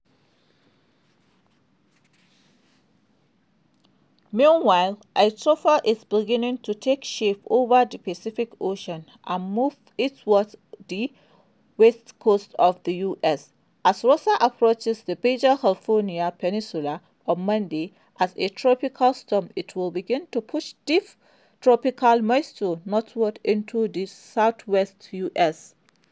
Meanwhile, a trough is beginning to take shape over the Pacific Ocean and move east toward the West Coast of the U.S. As Rosa approaches the Baja California peninsula on Monday as a tropical storm it will begin to push deep tropical moisture northward into the southwest U.S.